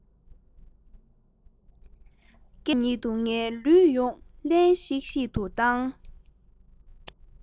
སྐད ཅིག ཉིད ལ ངའི ལུས ཡོངས བརླན ཤིག ཤིག ཏུ བཏང